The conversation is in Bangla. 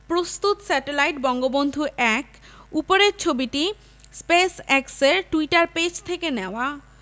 প্রস্তুত স্যাটেলাইট বঙ্গবন্ধু ১ উপরের ছবিটি স্পেসএক্সের টুইটার পেজ থেকে নেওয়া